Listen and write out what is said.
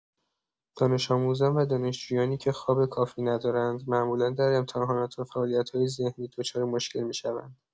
دانش‌آموزان و دانشجویانی که خواب کافی ندارند، معمولا در امتحانات و فعالیت‌های ذهنی دچار مشکل می‌شوند.